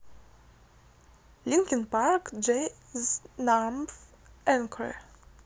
linkin park jay z numb encore